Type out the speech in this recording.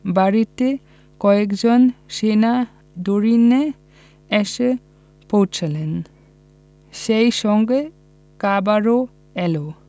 বাড়তি কয়েকজন সেনা দরুইনে এসে পৌঁছালেন সেই সঙ্গে খাবারও এলো